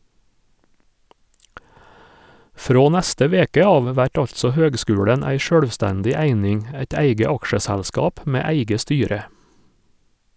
Frå neste veke av vert altså høgskulen ei sjølvstendig eining, eit eige aksjeselskap med eige styre.